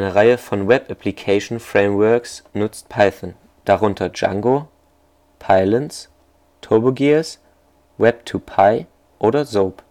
Reihe von Web-Application-Frameworks nutzt Python, darunter Django, Pylons, TurboGears, web2py oder Zope